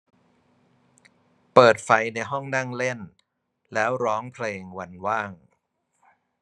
เปิดไฟในห้องนั่งเล่นแล้วร้องเพลงวันว่าง